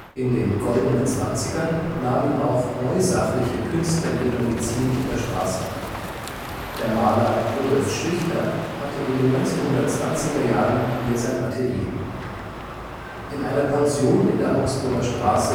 In den „ Goldenen Zwanzigern “nahmen auch neusachliche Künstler ihr Domizil in der Straße. Der Maler Rudolf Schlichter hatte in den 1920er Jahren hier sein Atelier. In einer Pension in der Augsburger Straße